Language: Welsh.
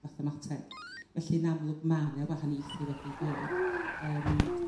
fathemateg felly'n amlwg ma' 'na wahaniaethu wedi bod yrm